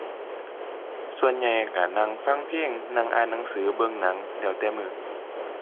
ส่วนใหญ่ก็นั่งฟังเพลง นั่งอ่านหนังสือ เบิ่งหนัง แล้วแต่มื้อ